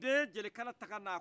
nden ye jɛnɛkala ta ka na